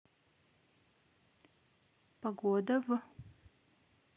погода в